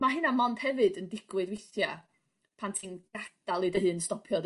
ma' hynna mond hefyd yn digwydd weithia' pan ti'n gadal i dy hun stopio